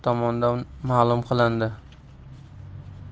tomonidan ma'lum qilindi